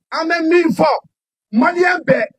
An bɛ min fɔ malien bɛɛ